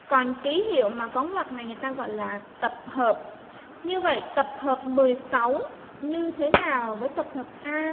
cần ký hiệu mà có vật này người ta gọi là tập hợp như vậy tập hợp như thế nào với tập hợp a